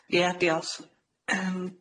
Ia, diolch. Yym.